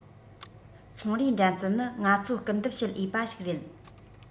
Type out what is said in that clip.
ཚོང རའི འགྲན རྩོད ནི ང ཚོ སྐུལ འདེབས བྱེད འོས པ ཞིག རེད